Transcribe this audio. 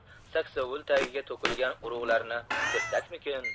saksovul tagiga to'kilgan urug'larni tersakmikin